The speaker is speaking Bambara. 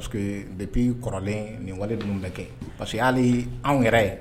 Pa bɛpi kɔrɔlen nin wale ninnu bɛ kɛ parce que y' ye anw yɛrɛ ye